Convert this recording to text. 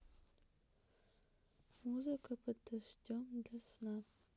музыка под дождем для сна